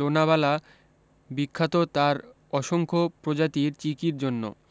লোনাভালা বিখ্যাত তার অসংখ্য প্রজাতির চিকির জন্য